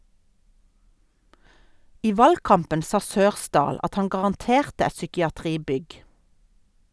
I valgkampen sa Sørsdahl at han garanterte et psykiatribygg.